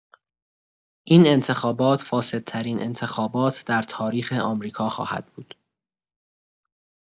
این انتخابات فاسدترین انتخابات در تاریخ آمریکا خواهد بود.